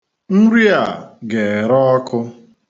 Nri a ga-ere ọkụ.